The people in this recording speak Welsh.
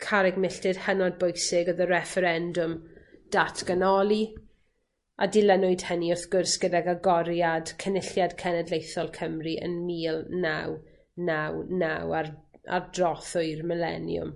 carreg milltir hynod bwysig o'dd y refferendwm datganoli, a dilynwyd hynny wrth gwrs gydag agoriad Cynulliad Cenedlaethol Cymru yn mil naw naw naw ar ar drothwy'r mileniwm.